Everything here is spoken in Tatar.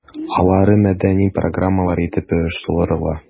Алары мәдәни программалар итеп оештырыла.